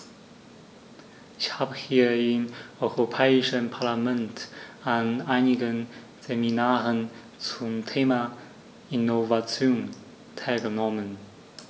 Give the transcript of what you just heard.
Ich habe hier im Europäischen Parlament an einigen Seminaren zum Thema "Innovation" teilgenommen.